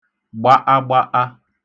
gbaṫagbaṫa